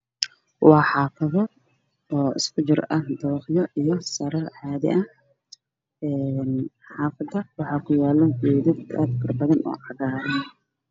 Waa xaafado oo isku jir ah oo dabaq iyo saro ah waxaa kuyaalo geedo cagaaran oo aad u faro badan.